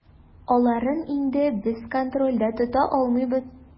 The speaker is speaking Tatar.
Аларын инде без контрольдә тота алмыйбыз.